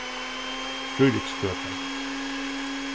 fríðriksgøta